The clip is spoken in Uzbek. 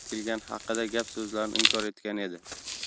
kelgani haqidagi gap so'zlarni inkor etgan edi